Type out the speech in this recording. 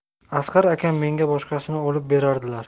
asqar akam menga boshqasini olib beradilar